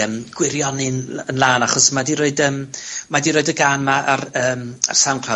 yn gwirion'n ly- yn lân, achos mae 'di roid yym, mae 'di roid y gan 'ma ar yym, y SoundCloud...